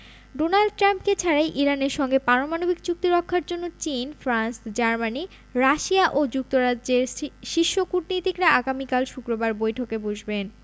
Donald ট্রাম্পকে ছাড়াই ইরানের সঙ্গে পারমাণবিক চুক্তি রক্ষার জন্য চীন ফ্রান্স জার্মানি রাশিয়া ও যুক্তরাজ্যের শীর্ষ কূটনীতিকরা আগামীকাল শুক্রবার বৈঠকে বসবেন